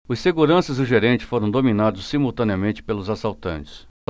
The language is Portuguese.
os seguranças e o gerente foram dominados simultaneamente pelos assaltantes